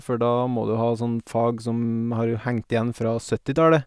For da må du ha sånne fag som har hengt igjen fra syttitallet.